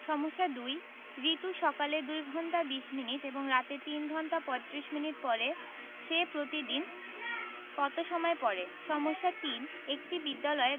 সমস্যা ২ রিতু সকালে ২ ঘন্টা ২০ মিনিট এবং রাতে ৩ ঘণ্টা ৩৫ মিনিট পড়ে সে প্রতিদিন কত সময় পড়ে সমস্যা ৩ একটি বিদ্যালয়ে